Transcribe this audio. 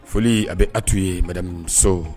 Foli a bɛ Atu ye Mme Soɔ